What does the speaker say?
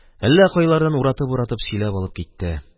Әллә кайлардан уратып-уратып сөйләп алып китте.